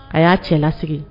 A y'a cɛ lasigi